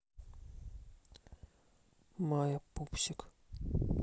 мая пупсик